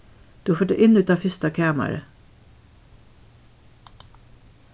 tú fert inn í tað fyrsta kamarið